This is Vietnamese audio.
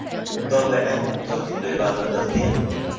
tôi với anh thuộc những người vào rừng đầu tiên